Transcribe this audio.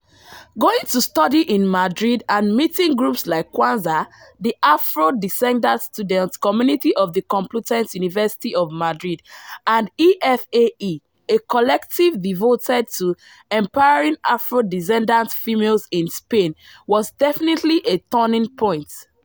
Going to study in Madrid and meeting groups like Kwanzza [the afro-descendant student community of the Complutense University of Madrid] and E.F.A.E [A collective devoted to ‘empowering afro-descendant females’ in Spain] was definitely a turning point.